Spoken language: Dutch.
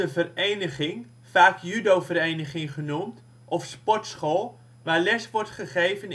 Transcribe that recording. vereniging, vaak judovereniging genoemd, of sportschool waar les wordt gegeven